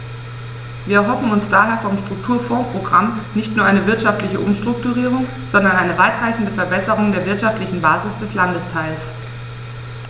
Wir erhoffen uns daher vom Strukturfondsprogramm nicht nur eine wirtschaftliche Umstrukturierung, sondern eine weitreichendere Verbesserung der wirtschaftlichen Basis des Landesteils.